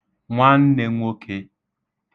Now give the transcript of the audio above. nwannē nwokē